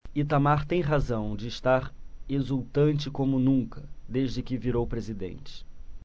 itamar tem razão de estar exultante como nunca desde que virou presidente